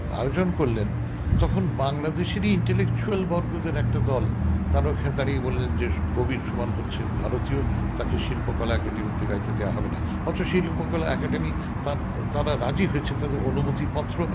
আয়োজন করলেন বাংলাদেশেরই ইন্টেলেকচুয়াল বর্গ দের একটা দল তারা ঐ খানে দাঁড়িয়ে বললেন যে কবির সুমন হচ্ছে ভারতীয় তাকে শিল্পকলা একাডেমিতে গাইতে দেয়া হবে না অথচ সেই শিল্পকলা একাডেমী তারা রাজি হয়েছেন তাদের অনুমতি পত্র